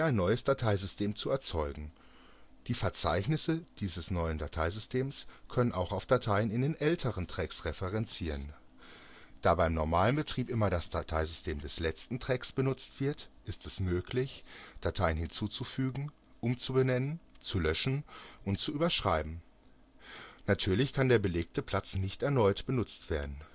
neues Dateisystem zu erzeugen. Die Verzeichnisse dieses neuen Dateisystems können auch auf Dateien in den älteren Tracks referenzieren. Da beim normalen Betrieb immer das Dateisystem des letzten Tracks benutzt wird, ist es möglich, Dateien hinzuzufügen, umzubenennen, zu „ löschen “und zu „ überschreiben “. Natürlich kann der belegte Platz nicht erneut benutzt werden